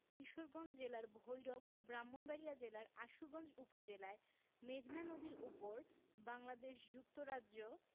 কিশোরগঞ্জ জেলার ভৈরব ও ব্রাহ্মণবাড়িয়া জেলার আশুগঞ্জ উপজেলায় মেঘনা নদীর উপর বাংলাদেশ যুক্তরাজ্য